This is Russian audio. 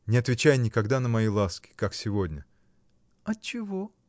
Не отвечай никогда на мои ласки, как сегодня. — Отчего?